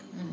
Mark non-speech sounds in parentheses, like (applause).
(hesitation) (hesitation)